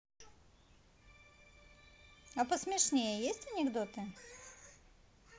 а посмешнее есть анекдоты